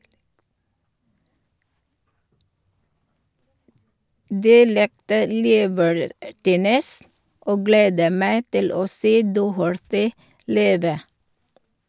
De likte Libertines, og gledet meg til å se Doherty live.